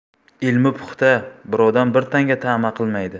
ilmi puxta birovdan bir tanga ta'ma qilmaydi